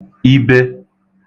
ibe